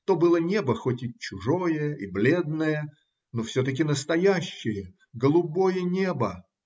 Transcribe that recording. то было небо, хоть и чужое и бледное, но все-таки настоящее голубое небо.